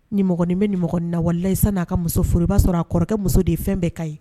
Ninin bɛ ni nawalelayi n'a ka muso foroba sɔrɔ a kɔrɔkɛ muso de ye fɛn bɛɛ ka ye